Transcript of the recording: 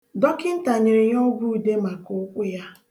Dọkịnta nyere ya ọgwụude maka ụkwụ ya